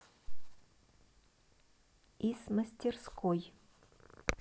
из мастерской